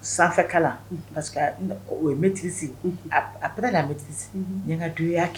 Sanfɛkala parceri o ye bɛt sigi a bɛ an bɛti n ka don y'a kɛ